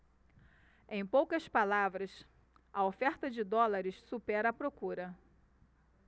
em poucas palavras a oferta de dólares supera a procura